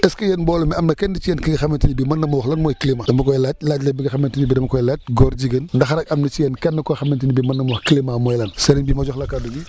est ce que yéen mbooloo mi am na kenn ci yéen ki nga xamante ne bii mën na ma wax lan mooy climat dama koy laaj laaj la bi nga xamante ne bii dama koy laaj góor jigéen ndax rek am na ci yéenkenn koo xamante nebii mën na ma wax climat mooy lan sëriñ bi ma jox la kàddu gi